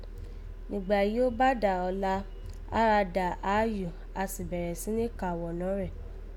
Nìgbà yìí ó bá dà ọ̀la, ó ra dà aáyù, á sì bẹ̀rẹ̀ sí ka wọ̀nọ́ rẹ̀